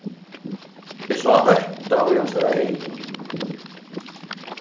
eg sá ótta í hansara eygum